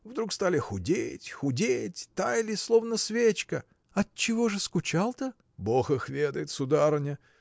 вдруг стали худеть, худеть, таяли словно свечка. – Отчего же скучал-то? – Бог их ведает, сударыня.